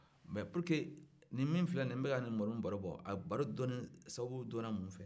mɛ pour que ni min filɛ nin ye ni n bɛk'a baro bɔ nin baro dɔnni sababu bɔra mun fɛ